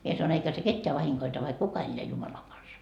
minä sanoin eikä se ketään vahingoita vaikka kuka elää Jumalan kanssa